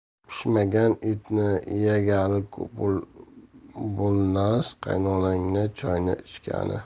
pishmagan etni yegali bo'lrnas qaynamagan choyni ichgani